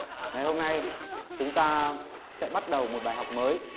ngày hôm nay chúng ta sẽ bắt đầu một bài học mới